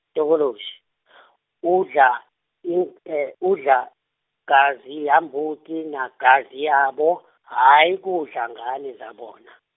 Tokoloshi , udla, ung- udla , gazi yambuzi nagazi yabo, hhayi, kudla ngane zabona.